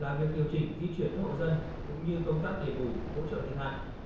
là việc điều chỉnh di chuyển hộ dân cũng như công tác đền bù hỗ trợ thiệt hại